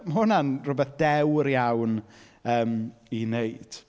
Ma' hwnna'n rywbeth dewr iawn, yym, i wneud.